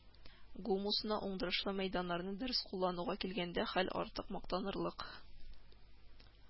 Гумусны, уңдырышлы мәйданнарны дөрес куллануга килгәндә, хәл артык мактанырлык